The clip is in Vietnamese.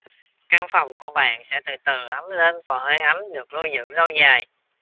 căn phòng của bạn sẽ từ từ ấm lên và hơi ấm được lưu giữ lâu dài